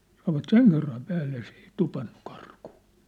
sanoivat sen kerran päälle se ei tupannut karkuun